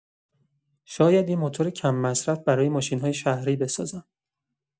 شاید یه موتور کم‌مصرف برای ماشین‌های شهری بسازم.